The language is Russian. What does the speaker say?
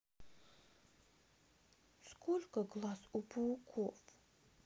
сколько глаз у пауков